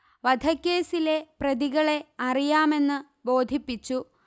വധക്കേസിലെ പ്രതികളെ അറിയാമെന്ന്ബോധിപ്പിച്ചു